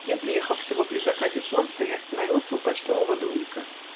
Я приехал в село при закате солнца и остановился у почтового домика.